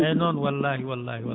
eeyi noon wallahi wallahi